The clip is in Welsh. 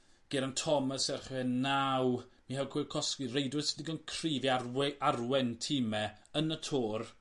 Geraint Thomas a Chenao Michal Kwiatkowski. Reidwyr sy digon cryf i arwei- arwen time yn y Tour